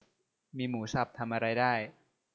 มีหมูสับทำอะไรได้